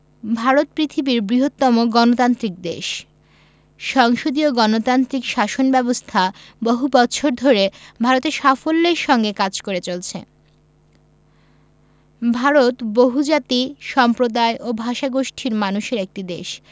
ভারত পৃথিবীর বৃহত্তম গণতান্ত্রিক দেশ সংসদীয় গণতান্ত্রিক শাসন ব্যাবস্থা বহু বছর ধরে ভারতে সাফল্যের সঙ্গে কাজ করে চলছে ভারত বহুজাতি সম্প্রদায় ও ভাষাগোষ্ঠীর মানুষের একটি দেশ